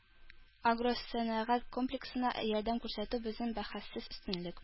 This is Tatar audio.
“агросәнәгать комплексына ярдәм күрсәтү – безнең бәхәссез өстенлек”